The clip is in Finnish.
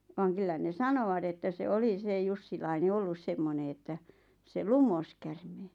vaan kyllä ne sanovat että se oli se Jussilainen ollut semmoinen että se lumosi käärmeen